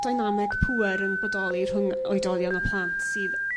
dynameg pŵer yn bodoli rhwng oedolion a plant sydd